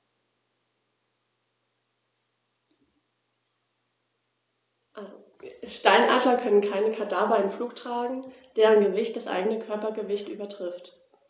Steinadler können keine Kadaver im Flug tragen, deren Gewicht das eigene Körpergewicht übertrifft.